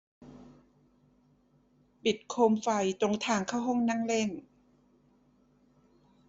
ปิดโคมไฟตรงทางเข้าห้องนั่งเล่น